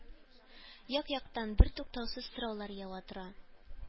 Як-яктан бертуктаусыз сораулар ява тора.